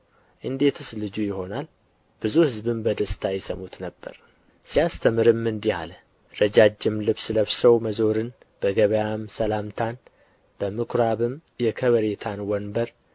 እንዴትስ ልጁ ይሆናል ብዙ ሕዝብም በደስታ ይሰሙት ነበር ሲያስተምርም እንዲህ አለ ረጃጅም ልብስ ለብሰው መዞርን በገበያም ሰላምታን በምኵራብም የከበሬታን ወንበር